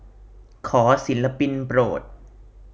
ขอศิลปินโปรด